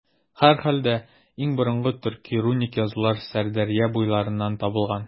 Һәрхәлдә, иң борынгы төрки руник язулар Сырдәрья буйларыннан табылган.